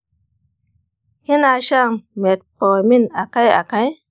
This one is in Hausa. kina shan metformin akai akai?